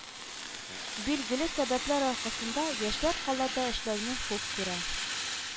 Билгеле сәбәпләр аркасында, яшьләр калада эшләүне хуп күрә